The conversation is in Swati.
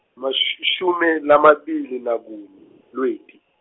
mash- -ishumi lamabili nakunye, Lweti.